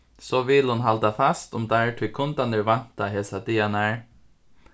so vil hon halda fast um teir tí kundarnir vænta hesar dagarnar